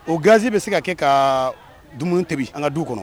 O gansie bɛ se ka kɛ ka dumuni tɛbi an ka du kɔnɔ